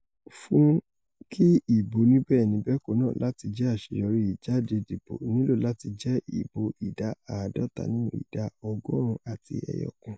Fún ki ìbò oníbẹ́ẹ̀ni-bẹ́ẹ̀kọ́ náà láti jẹ́ àṣeyọrí ìjáde-dìbò nílò láti jẹ́ ìbò ìdá àádọ́ta nínú ìdá ọgọ́ọ̀rún àti ẹyọ kan.